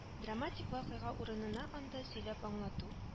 Драматик вакыйга урынына анда сөйләп аңлату